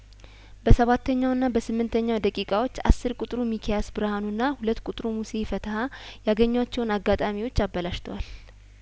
በሰባተኛውና በስምንተኛው ደቂቃዎች አስር ቁጥሩ ሚኪ ያስብርሀኑና ሁለት ቁጥሩ ሙሴ ፈት ያገኟቸውን አጋጣሚዎች አበላሽተዋል